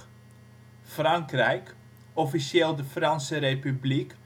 Frankrijk, officieel de Franse Republiek